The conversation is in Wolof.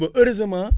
ba heureusement